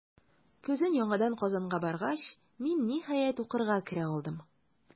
Көзен яңадан Казанга баргач, мин, ниһаять, укырга керә алдым.